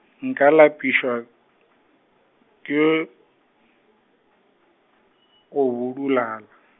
nka lapišwa ke, go budulala.